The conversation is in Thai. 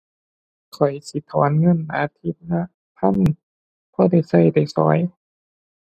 ข้อยสิถอนเงินอาทิตย์ละพัน พอได้ใช้ได้สอย